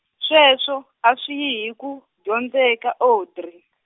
sweswo, a swi yi hi ku, dyondzeka Audrey.